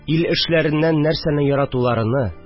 Ил эшләреннән нәрсәне яратуларыны